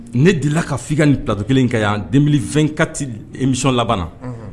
Ne dilanla ka'i ka nin duto kelen ka yan denfɛn kati imi labanana